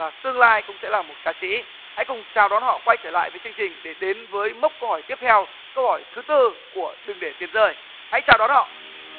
và tương lai cũng sẽ là một ca sĩ hãy cùng chào đón họ quay trở lại với chương trình để đến với mốc hỏi tiếp theo câu hỏi thứ tự của đừng để tiền rơi hãy chào đón họ